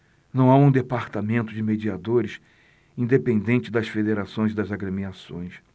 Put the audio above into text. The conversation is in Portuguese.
não há um departamento de mediadores independente das federações e das agremiações